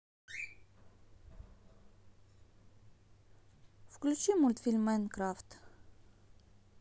включи мультфильм майнкрафт